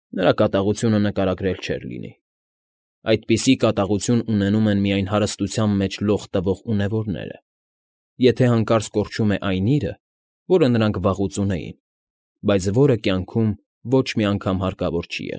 Նրա կատաղությունը նկարագրել չի լինի. այդպիսի կատաղություն ունենում են միայն հարստության մեջ լող տվող ունևորները, եթե հանկարծ կորչում է այն իրը, որը նրանք վաղուց ունեին, բայց որը կյանքում ոչ մի անգամ հարկավոր չի։